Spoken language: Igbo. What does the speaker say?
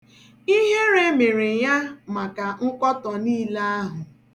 Ihere mere ya maka nkọtọ niile ahụ.